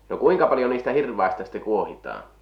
no kuinka paljon niistä hirvaista sitten kuohitaan